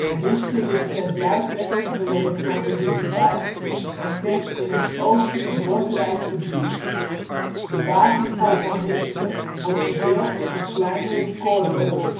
Miste ligt ten zuidwesten gelegen van Winterswijk en kent in het oosten een bosrijk gebied. De basisschool van Miste wordt gedeeld met het kleinere Corle